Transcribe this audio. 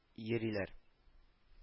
Йөриләр